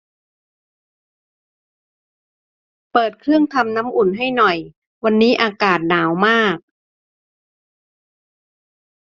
เปิดเครื่องทำน้ำอุ่นให้หน่อยวันนี้อากาศหนาวมาก